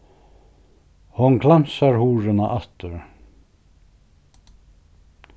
hon klamsar hurðina aftur